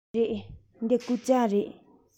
རེད འདི རྐུབ བཀྱག རེད